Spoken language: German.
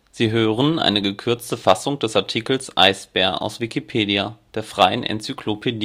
Sie hören den Artikel Eisbär, aus Wikipedia, der freien Enzyklopädie